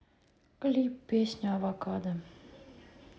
клип песня авокадо